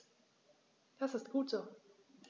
Das ist gut so.